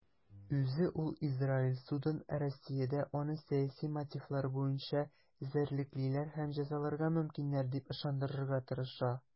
Үзе ул Израиль судын Россиядә аны сәяси мотивлар буенча эзәрлеклиләр һәм җәзаларга мөмкиннәр дип ышандырырга тырыша.